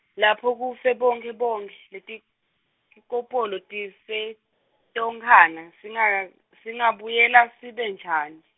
lapha kufe bonkhe bonkhe letik- letinkopolo tife, tonkhana, singaga- singabuyela sibe njani?